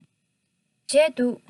འབྲས འདུག